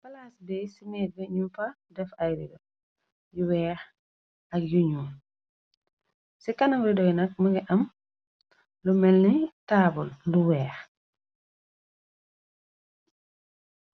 Palaas bi si nirg ñu fa def ay rido yu weex ak yu ñuon ci kanam ridoy nag mëngi am lu melni taabal lu weex